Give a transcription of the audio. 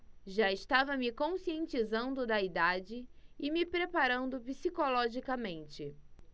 já estava me conscientizando da idade e me preparando psicologicamente